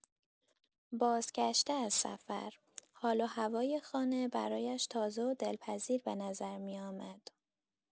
بازگشته از سفر، حال و هوای خانه برایش تازه و دلپذیر به نظر می‌آمد.